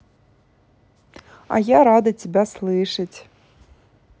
а я рада тебя слышать